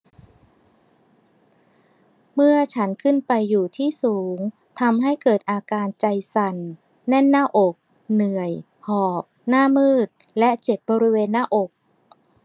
เมื่อฉันขึ้นไปอยู่ที่สูงทำให้เกิดอาการใจสั่นแน่นหน้าอกเหนื่อยหอบหน้ามืดและเจ็บบริเวณหน้าอก